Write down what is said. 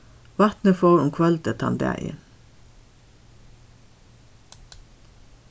vatnið fór um kvøldið tann dagin